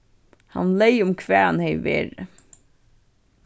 hann leyg um hvar hann hevði verið